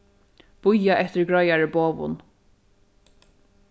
bíða eftir greiðari boðum